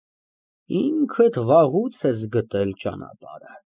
Դու ինձ բոլորովին շփոթեցրիր։ Որտե՞ղ են այժմ այդ գրավոր ապացույցները։